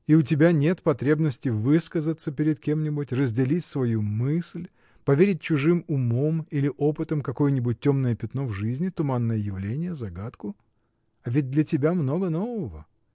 — И у тебя нет потребности высказаться перед кем-нибудь, разделить свою мысль, поверить чужим умом или опытом какое-нибудь темное пятно в жизни, туманное явление, загадку? А ведь для тебя много нового.